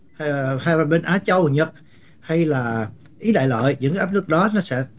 ờ hay là bên á châu nhật hay là ý đại loại những áp lực đó là sẽ